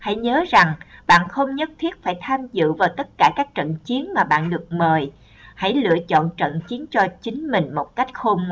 hãy nhớ rằng bạn không nhất thiết phải tham dự vào tất cả các trận chiến mà bạn được mời hãy lựa chọn trận chiến cho chính mình một cách khôn ngoan